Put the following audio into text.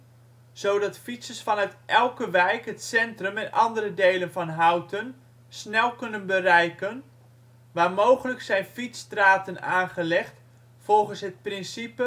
zodat fietsers vanuit elke wijk het centrum en andere delen van Houten snel kunnen bereiken. Waar mogelijk zijn fietsstraten aangelegd volgens het principe